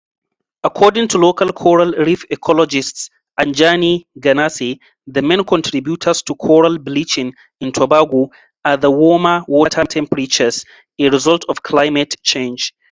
According to local coral reef ecologist Anjani Ganase, the main contributors to coral bleaching in Tobago are the warmer water temperatures — a result of climate change.